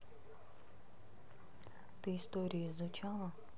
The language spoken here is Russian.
ты историю изучала